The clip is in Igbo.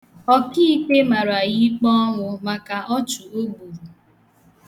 Ọkiikpe mara ya ikpe ọnwụ maka ọchụ o gburu.